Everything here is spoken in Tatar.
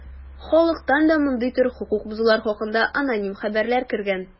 Халыктан да мондый төр хокук бозулар хакында аноним хәбәрләр кергән.